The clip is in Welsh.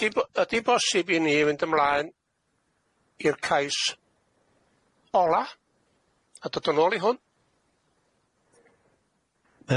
Ydi bo- ydi'n bosib i ni fynd ymlaen i'r cais ola a dod yn ôl i hwn?